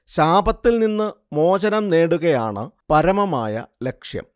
ശാപത്തിൽ നിന്നു മോചനം നേടുകയാണു പരമമായ ലക്ഷ്യം